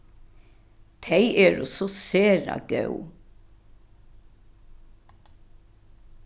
tey eru so sera góð